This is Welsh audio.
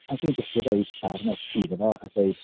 Ond 'swn i'n gallu rhoi darn FT iddo fo a deud.